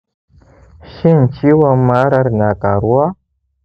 shin ciwon marar na karuwa.